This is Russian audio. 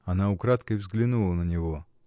Она украдкой взглянула на него.